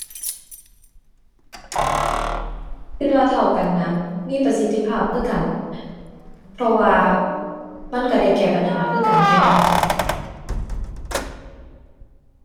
คิดว่าเท่ากันนะ มีประสิทธิภาพคือกัน เพราะว่ามันคิดได้แก้ปัญหาคือกันไง